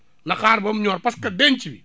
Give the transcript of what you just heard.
na xaar ba mu ñor parce que denc bi